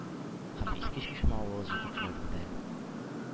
Һәм иске чишмә авыл җирлекләрендә